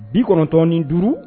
95